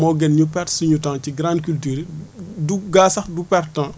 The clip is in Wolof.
moo gën ñu perte suñu temps ci grandes cultures du gaa sax du perte temps